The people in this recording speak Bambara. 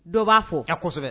Dɔ b'a fɔ ka kosɛbɛ